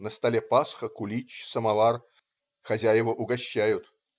На столе пасха, кулич, самовар. Хозяева угощают.